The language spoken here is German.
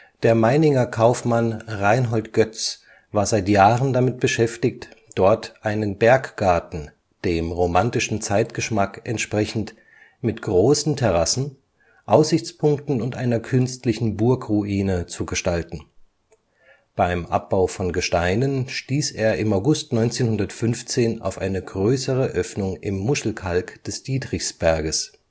Der Meininger Kaufmann Reinhold Goetz war seit Jahren damit beschäftigt, dort einen Berggarten, dem romantischen Zeitgeschmack entsprechend, mit großen Terrassen, Aussichtspunkten und einer künstlichen Burgruine zu gestalten. Beim Abbau von Gesteinen stieß er im August 1915 auf eine größere Öffnung im Muschelkalk des Dietrichsberges